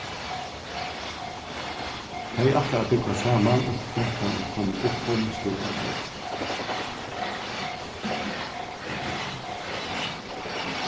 tey ætla at búgva saman inntil gentan eru komin upp um skúlaaldur